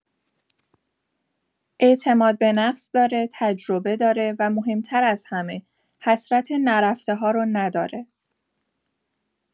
اعتمادبه‌نفس داره، تجربه داره، و مهم‌تر از همه، حسرت نرفته‌ها رو نداره.